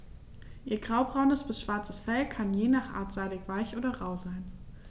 Ihr graubraunes bis schwarzes Fell kann je nach Art seidig-weich oder rau sein.